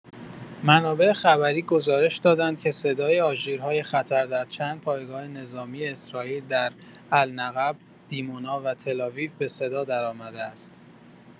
منابع خبری گزارش دادند که صدای آژیرهای خطر در چند پایگاه نظامی اسرائیل در «النقب»، «دیمونا» و تل‌آویو به صدا درآمده است.